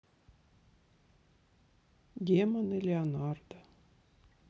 демоны леонардо